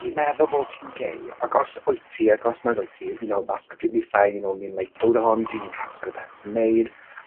ni'n meddwl bod ti'n gay ag os wyt ti ac os nag wyt ti you know that's completely fine o'n i'n like prowd o hon ti'n hapus gy be' ti'n neud